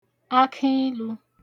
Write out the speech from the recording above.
ak̇iilū